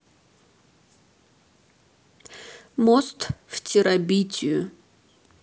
мост в терабитию